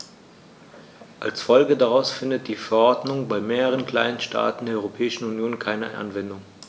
Als Folge daraus findet die Verordnung bei mehreren kleinen Staaten der Europäischen Union keine Anwendung.